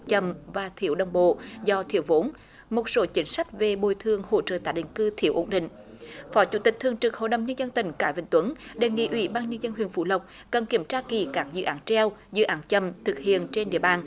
chậm và thiếu đồng bộ do thiếu vốn một số chính sách về bồi thường hỗ trợ tái định cư thiếu ổn định phó chủ tịch thường trực hội đồng nhân dân tỉnh cái vĩnh tuấn đề nghị ủy ban nhân dân huyện phú lộc cần kiểm tra kỹ các dự án treo dự án chậm thực hiện trên địa bàn